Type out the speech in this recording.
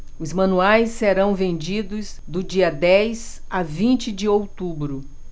os manuais serão vendidos do dia dez a vinte de outubro